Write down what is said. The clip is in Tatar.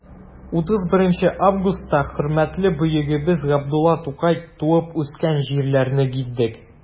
31 августта хөрмәтле бөегебез габдулла тукай туып үскән җирләрне гиздек.